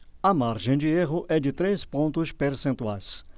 a margem de erro é de três pontos percentuais